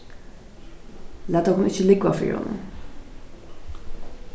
lat okkum ikki lúgva fyri honum